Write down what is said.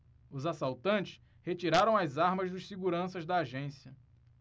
os assaltantes retiraram as armas dos seguranças da agência